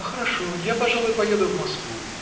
– Хорошо; я, пожалуй, поеду в Москву.